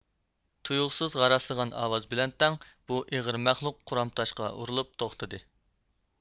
تۇيۇقسىز غاراسلىغان ئاۋاز بىلەن تەڭ بۇ ئېغىر مەخلۇق قۇرام تاشقا ئۇرۇلۇپ توختىدى